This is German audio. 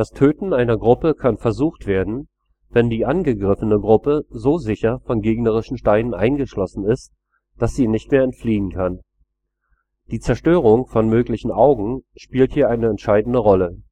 Das Töten einer Gruppe kann versucht werden, wenn die angegriffene Gruppe so sicher von den gegnerischen Steinen eingeschlossen ist, dass sie nicht mehr entfliehen kann. Die Zerstörung von möglichen Augen spielt hier eine entscheidende Rolle